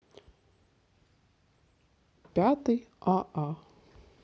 пятый а а